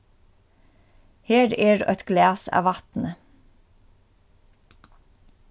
her er eitt glas av vatni